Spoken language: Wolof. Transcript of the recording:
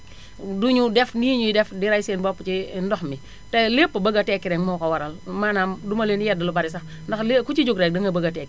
duñu def nii ñuy def di ray seen bopp ci ndox mi te lépp bëgg a tekki rekk moo ko waral maanaam du ma leen yedd lu bari sax ndax lée ku ci jóg rekk danag bëgg a tekki